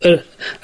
y